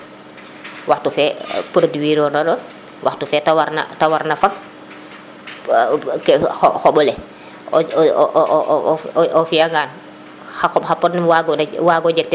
waxtu fe produire ona waxtu fe te warna fag ke xoɓole o o o fiya ngan xa qoɓ xa pod num wagona jeg teen